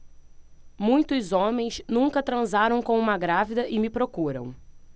muitos homens nunca transaram com uma grávida e me procuram